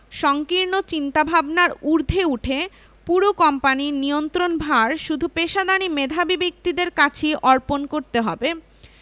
সংকীর্ণ চিন্তাভাবনার ঊর্ধ্বে উঠে পুরো কোম্পানির নিয়ন্ত্রণভার শুধু পেশাদারি মেধাবী ব্যক্তিদের কাছেই অর্পণ করতে হবে